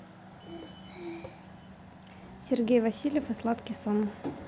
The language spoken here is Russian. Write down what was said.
сергей васильев и сладкий сон